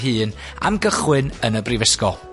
hŷn am gychwyn yn y brifysgol.